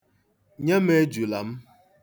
Nye m ejula m.